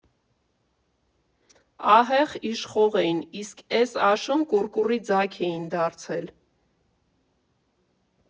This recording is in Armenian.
Ահեղ իշխող էին, իսկ էս աշուն կուռկուռի ձագ էին դարձել.